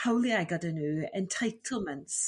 hawliau gyda n'w entitlements